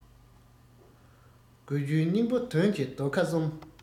དགོས རྒྱུའི སྙིང པོ དོན གྱི རྡོ ཁ གསུམ